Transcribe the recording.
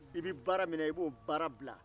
i bɛ baara min na i b'o baara bila